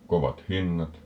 kovat hinnat